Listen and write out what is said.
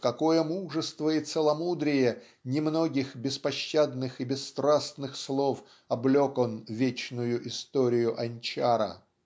в какое мужество и целомудрие немногих беспощадных и бесстрастных слов облек он вечную историю Анчара